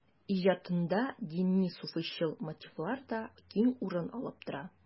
Иҗатында дини-суфыйчыл мотивлар да киң урын алып тора.